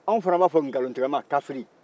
anw fana b'a fɔ nkalontigɛla ma ko kafiri